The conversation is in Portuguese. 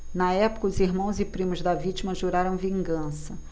na época os irmãos e primos da vítima juraram vingança